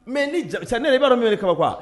Mɛ sisan ne de b'a min ye ka kuwa